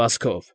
Վազքով։